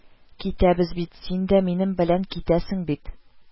– китәбез бит, син дә минем белән китәсен бит